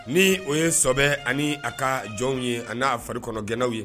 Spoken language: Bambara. Ni o ye sɔbɛ ani a ka jɔnw ye a n'a fari kɔnɔ gnaw ye